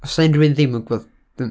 Os 's 'na unrhywun ddim yn gwbod, dyn-.